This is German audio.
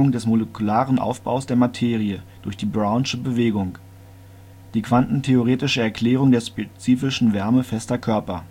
des molekularen Aufbaus der Materie durch die " brownsche Bewegung ", die quantentheoretische Erklärung der spezifischen Wärme fester Körper